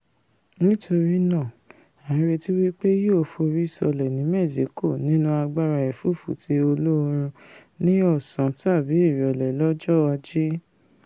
nítorínaa, a ńretí wí pé yóò forí sọlẹ̀ ní Mẹ́ṣíkò nínú agbára ẹ̀fúùfù ti olóorun ní ọ̀sán tábi ìrọ̀lẹ́ lọ́jọ́ Ajé.